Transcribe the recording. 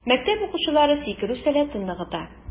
Мәктәп укучылары сикерү сәләтен ныгыта.